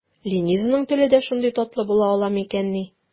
Ленизаның теле дә шундый татлы була ала микәнни?